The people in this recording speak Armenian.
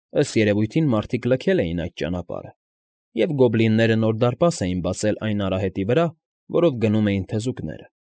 Ըստ երևույթին մարդիկ լքել էին այդ ճանապարհը, և գոբլինները նոր դարպաս էին բացել այն արահետի վրա, որով գնում էին թզուկները։